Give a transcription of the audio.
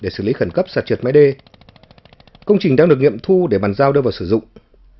để xử lý khẩn cấp sạt trượt mái đê công trình đang được nghiệm thu để bàn giao đưa vào sử dụng